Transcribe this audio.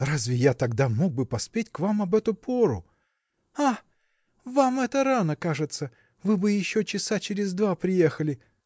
– Разве я тогда мог бы поспеть к вам об эту пору? – А! вам это рано кажется? вы бы еще часа через два приехали!